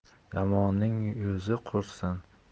yomonning yuzi qursin